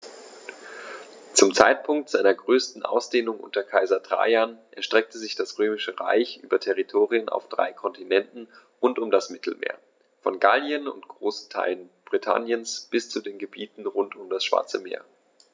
Zum Zeitpunkt seiner größten Ausdehnung unter Kaiser Trajan erstreckte sich das Römische Reich über Territorien auf drei Kontinenten rund um das Mittelmeer: Von Gallien und großen Teilen Britanniens bis zu den Gebieten rund um das Schwarze Meer.